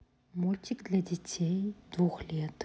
мультики для детей двух лет